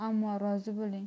ammo rozi bo'ling